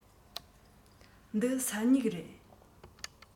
འདི ས སྨྱུག རེད